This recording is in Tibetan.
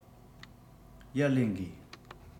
ཡར ལེན དགོས